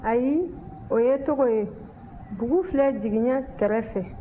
ayi o ye togo ye bugu filɛ jiginɛ kɛrɛfɛ